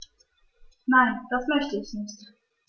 Nein, das möchte ich nicht.